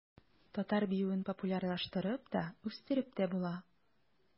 Татар биюен популярлаштырып та, үстереп тә була.